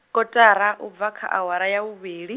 kotara u bva kha awara ya vhuvhili.